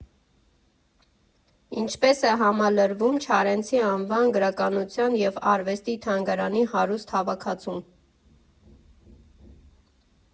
Ինչպես է համալրվում Չարենցի անվան գրականության և արվեստի թանգարանի հարուստ հավաքածուն։